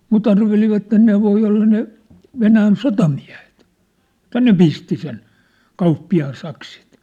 mutta arvelivat ne voi olla ne Venäjän sotamiehet että ne pisti sen kauppiaan sakset